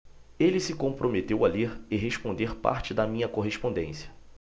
ele se comprometeu a ler e responder parte da minha correspondência